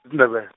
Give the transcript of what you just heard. -Ndebel-.